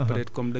dëgg la